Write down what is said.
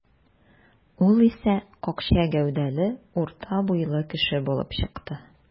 Ул исә какча гәүдәле, урта буйлы кеше булып чыкты.